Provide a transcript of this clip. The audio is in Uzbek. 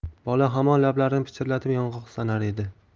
bola hamon lablarini pichirlatib yong'oq sanar edi